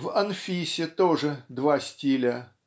В "Анфисе" тоже два стиля